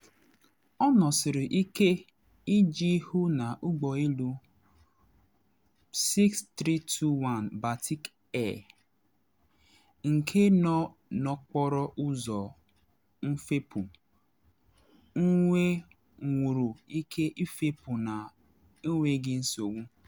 Ọ nọsiri ike iji hụ na Ụgbọ Elu 6321 Batik Air, nke nọ n’okporo ụzọ mfepụ, nwenwuru ike ịfepụ na enweghị nsogbu.